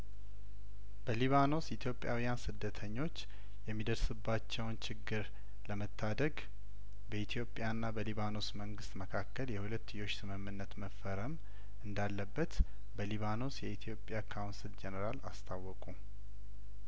በሊባኖስ ኢትዮጵያውያን ስደተኞች የሚደርስ ባቸውን ችግር ለመታደግ በኢትዮጵያ ና በሊባኖስ መንግስት መካከል የሁለትዮሽ ስምምነት መፈረም እንዳለበት በሊባኖስ የኢትዮጵያ ካውንስል ጄኔራል አስታወቁ